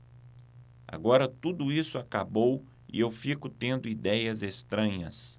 agora tudo isso acabou e eu fico tendo idéias estranhas